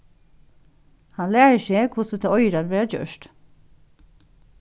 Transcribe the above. hann lærir seg hvussu tað eigur at vera gjørt